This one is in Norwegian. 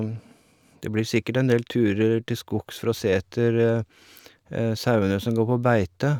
Det blir sikkert en del turer til skogs for å se etter sauene som går på beite.